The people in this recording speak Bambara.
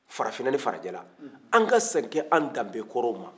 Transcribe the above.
farafinna ni farajɛla an ka segin an danbekɔrɔw ma